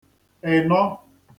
ịnọ